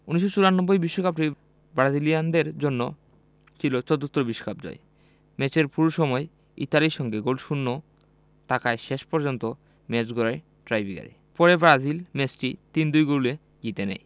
১৯৯৪ বিশ্বকাপটি ব্রাজিলিয়ানদের জন্য ছিল চতুর্থ বিশ্বকাপ জয় ম্যাচের পুরো সময় ইতালির সঙ্গে গোলশূন্য থাকায় শেষ পর্যন্ত ম্যাচ গড়ায় টাইব্রেকারে পরে ব্রাজিল ম্যাচটি ৩ ২ গোলে জিতে নেয়